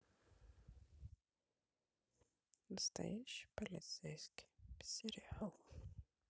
настоящий полицейский сериал